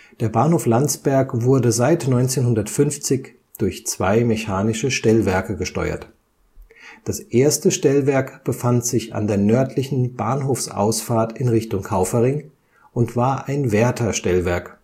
Der Bahnhof Landsberg wurde seit 1950 durch zwei mechanische Stellwerke gesteuert. Das erste Stellwerk befand sich an der nördlichen Bahnhofsausfahrt in Richtung Kaufering und war ein Wärterstellwerk